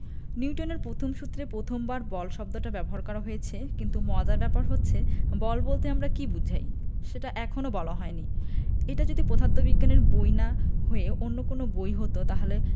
নিউটনের পথম সূত্রে পথমবার বল শব্দটা ব্যবহার করা হয়েছে কিন্তু মজার ব্যাপার হচ্ছে বল বলতে আমরা কী বোঝাই সেটা এখনো বলা হয়নি এটা যদি পদার্থবিজ্ঞানের বই না হয়ে অন্য কোনো বই হতো তাহলে